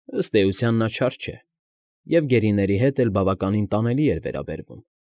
Ըստ էության նա չէր չէ և գերիների հետ էլ բավականին տանելի էր վարվում։